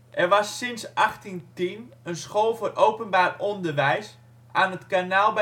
Er was sinds 1810 een school voor openbaar onderwijs aan het Kanaal